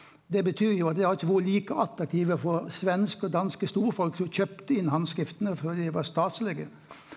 det betyr jo at det har ikkje vore like attraktive for svenske og danske storfolk som kjøpte inn handskrifta for dei var staselege.